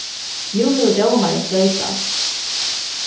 nú hevur dómarin floytað